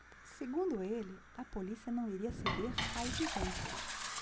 segundo ele a polícia não iria ceder a exigências